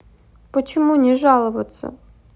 почему не жаловаться